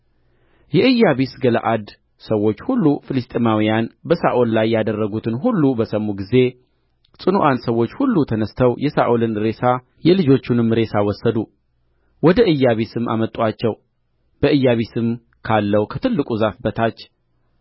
የኢያቢስ ገለዓድም ሰዎች ሁሉ ፍልስጥኤማውያን በሳኦል ላይ ያደረጉትን ሁሉ በሰሙ ጊዜ ጽኑአን ሰዎች ሁሉ ተነሥተው የሳኦልን ሬሳ የልጆቹንም ሬሳ ወሰዱ ወደ ኢያቢስም አመጡአቸው በኢያቢስም ካለው ከትልቁ ዛፍ በታች